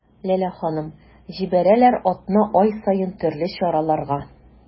Ләлә ханым: җибәрәләр атна-ай саен төрле чараларга.